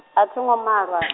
a thongo malwa .